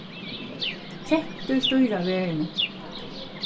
kettur stýra verðini